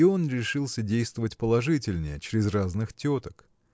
и он решился действовать положительнее чрез разных теток.